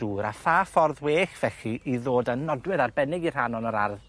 dŵr a pha ffordd well felly i ddod â nodwedd arbennig i rhan hon o'r ardd